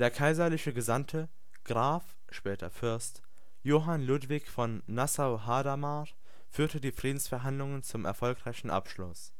kaiserliche Gesandte, Graf (später Fürst) Johann Ludwig von Nassau Hadamar führte die Friedensverhandlungen zum erfolgreichen Abschluss